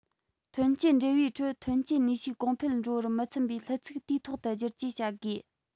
ཐོན སྐྱེད འབྲེལ བའི ཁྲོད ཐོན སྐྱེད ནུས ཤུགས གོང འཕེལ འགྲོ བར མི འཚམ པའི ལྷུ ཚིགས དུས ཐོག ཏུ བསྒྱུར བཅོས བྱ དགོས